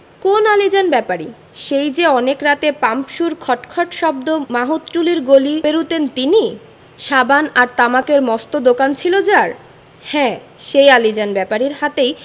কোন আলীজান ব্যাপারী সেই যে অনেক রাতে পাম্পসুর খট খট শব্দ মাহুতটুলির গলি পেরুতেন তিনি সাবান আর তামাকের মস্ত দোকান ছিল যার হ্যাঁ সেই আলীজান ব্যাপারীর হাতেই